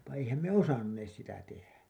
mutta eihän me osanneet sitä tehdä